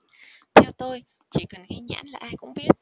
theo tôi chỉ cần ghi nhãn là ai cũng biết